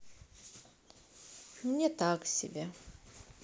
мне так себе